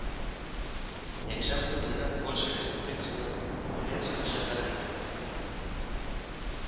Якшәмбе көнне Польша республикасының Олецко шәһәреннән